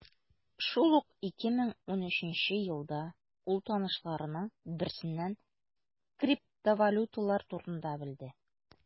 Шул ук 2013 елда ул танышларының берсеннән криптовалюталар турында белде.